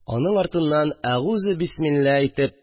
Аның артыннан әгузе бисмилла әйтеп: